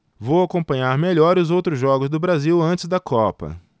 vou acompanhar melhor os outros jogos do brasil antes da copa